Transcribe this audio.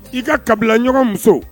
I ka kabila ɲɔgɔn muso